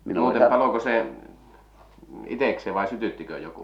muuten paloiko se itsekseen vai sytyttikö joku